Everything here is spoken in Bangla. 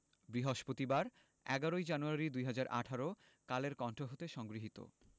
বৃহস্পতিবার ১১ জানুয়ারি ২০১৮ কালের কন্ঠ হতে সংগৃহীত